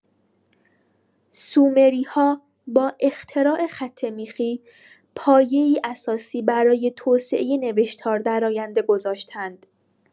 سومری‌ها با اختراع خط میخی، پایه‌ای اساسی برای توسعه نوشتار در آینده گذاشتند.